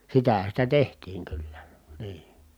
sitähän sitä tehtiin kyllä niin